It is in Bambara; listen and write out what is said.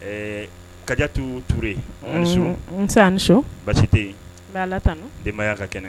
Ɛɛ kaditu tuure su n ni su basi tɛ yen tan debayaya ka kɛnɛ